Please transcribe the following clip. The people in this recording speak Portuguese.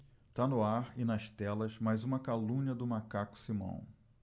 tá no ar e nas telas mais uma calúnia do macaco simão